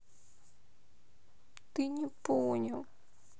ты не понял